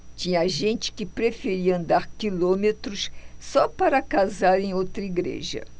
tinha gente que preferia andar quilômetros só para casar em outra igreja